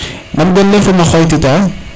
nam gonle fo maam o xoytita